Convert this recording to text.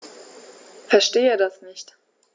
Verstehe das nicht.